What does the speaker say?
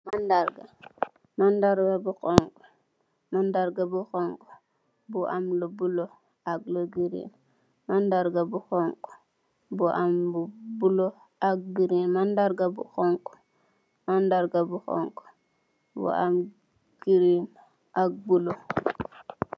Mandarga, mandarga buh xonxu bu am lu bula ak green.